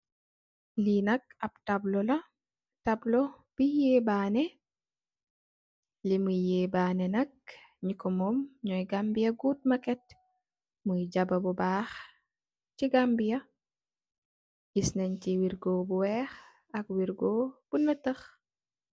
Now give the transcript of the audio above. Lee nak ab tablo la tablo buye yebane lumuye yebane nak nuku mum moye (Gambia Good Market ) moye jaba bu bakh se Gambia giss nenche werrgo bu weehe ak werrgo bu neetahh.